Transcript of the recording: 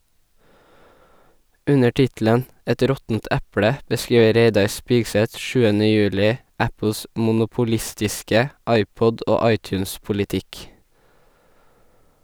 Under tittelen "Et råttent eple" beskriver Reidar Spigseth 7. juli Apples monopolistiske iPod- og iTunes-politikk.